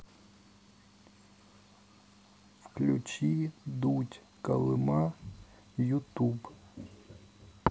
включи дудь колыма ютуб